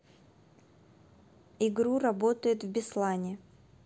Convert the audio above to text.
игру работает в беслане